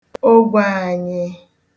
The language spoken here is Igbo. ogwèànyị